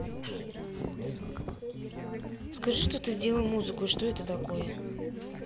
скажи что ты сделал музыку и что это такое